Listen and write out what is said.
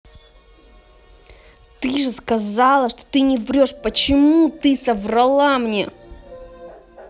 ты же сказала что ты не врешь почему ты соврала мне